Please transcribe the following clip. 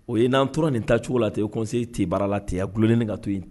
O ye n'an tora nin tacogo la ten kɔnse te baara la tenya gloniin ka to yen